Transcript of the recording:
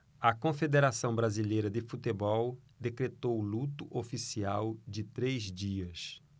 a confederação brasileira de futebol decretou luto oficial de três dias